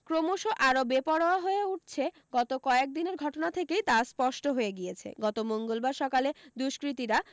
ক্রমশ আরও বেপরোয়া হয়ে উঠছে গত কয়েকদিনের ঘটনা থেকেই তা স্পষ্ট হয়ে গিয়েছে গত মঙ্গলবার সকালে দুষ্কৃতীরা